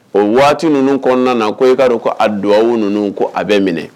O waati ninnu kɔnɔna na ko e'a dɔn ko a duwababu ninnu ko a bɛ minɛ